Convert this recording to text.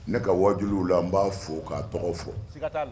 Ne ka wajuw la an n b'a fɔ k'a tɔgɔ fɔ